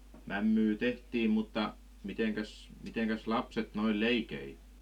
mämmiä tehtiin mutta mitenkäs mitenkäs lapset noin leikki